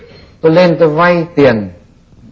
tôi lên tôi vay tiền